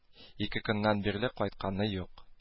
Ике көннән бирле кайтканы юк